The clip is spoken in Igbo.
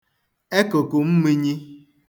ẹkụ̀kụ̀ mmūnyī